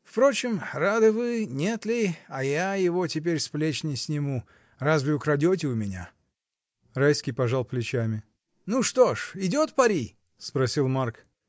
Впрочем — рады вы, нет ли, а я его теперь с плеч не сниму, — разве украдете у меня. Райский пожал плечами. — Ну что ж, идет пари? — спросил Марк.